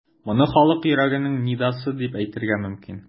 Моны халык йөрәгенең нидасы дип әйтергә мөмкин.